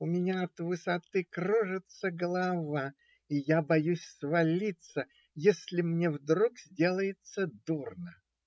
У меня от высоты кружится голова, и я боюсь свалиться, если мне вдруг сделается дурно.